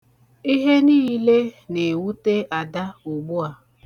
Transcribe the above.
Ihe niile na-ewute Ada ugbu a.